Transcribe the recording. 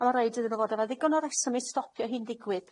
A ma' raid iddyn nw fod efo ddigon o reswm i stopio hyn ddigwydd.